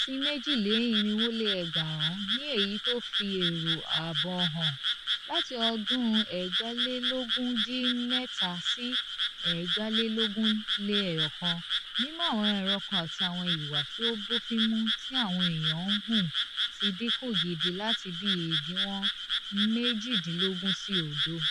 sí 10,402, ní èyí tó fi èrò ààbò hàn: Láti ọdún 2017 sí 2021, mímú àwọn ẹranko àti àwọn ìwà tí ò bófinmu tí àwọn èèyàn ń hù ti dínkù gidi láti bí idíwọ̀n 18 sí 0.